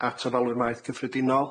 at ofalwyr maeth cyffredinol.